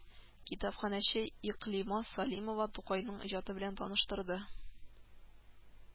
Китапханәче Икълима Салимова Тукайның иҗаты белән таныштырды